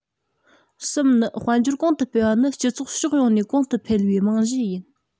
གསུམ ནི དཔལ འབྱོར གོང དུ སྤེལ བ ནི སྤྱི ཚོགས ཕྱོགས ཡོངས ནས གོང དུ འཕེལ བའི རྨང གཞི ཡིན